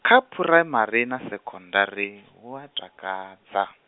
kha phuraimari na sekondari, hu a takadza.